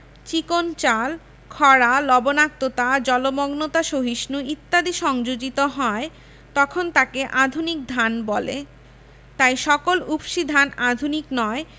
চিকন চাল খরা লবনাক্ততা জলমগ্নতা সহিষ্ণু ইত্যাদি সংযোজিত হয় তখন তাকে আধুনিক ধান বলে তাই সকল উফশী ধান আধুনিক নয়